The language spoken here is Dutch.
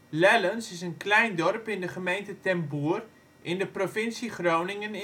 Lelns) is een klein dorp in de gemeente Ten Boer in de provincie Groningen